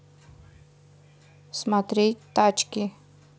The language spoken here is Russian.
смотреть тачки